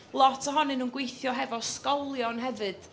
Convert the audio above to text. Lot ohonyn nhw'n gweithio hefo ysgolion hefyd.